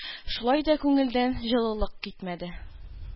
Шулай да күңелдән җылылык китмәде.